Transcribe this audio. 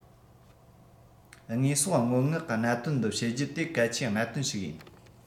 དངོས ཟོག སྔོན མངག གི གནད དོན འདི བྱེད རྒྱུ དེ གལ ཆེའི གནད དོན ཞིག ཡིན